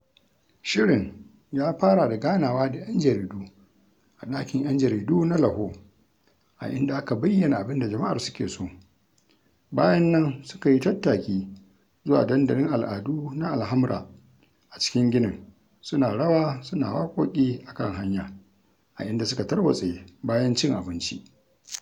Shirin ya fara da ganawa da 'yan jaridu a ɗakin 'Yan Jaridu na Lahore, a inda aka bayyana abin da jama'ar suke so; bayan nan suka yi tattaki zuwa Dandalin Al'adu na Al Hamra a cikin ginin suna rawa suna waƙoƙi a kan hanya, a inda suka tarwatse bayan cin abinci.